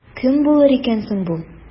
Кем булыр икән соң бу?